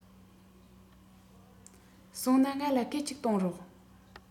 སོང ན ང ལ སྐད ཅིག གཏོང རོགས